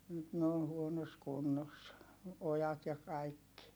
nyt ne on huonossa kunnossa ojat ja kaikki